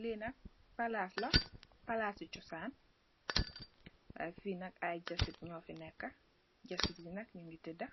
Lii nak plass la, plassi chosan, yy fii nak aiiy jaasit njur fii neka, jaasit yii nak njungy teda,